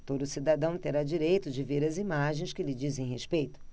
todo cidadão terá direito de ver as imagens que lhe dizem respeito